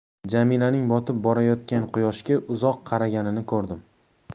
jamilaning botib borayotgan quyoshga uzoq qaraganini ko'rdim